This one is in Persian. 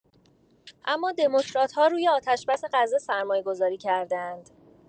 اما دموکرات‌ها روی آتش‌بس غزه سرمایه‌گذاری کرده‌اند.